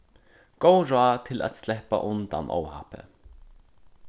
góð ráð til at sleppa undan óhappi